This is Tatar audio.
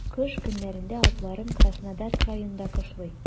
Кыш көннәрендә атларым Краснодар краенда кышлый.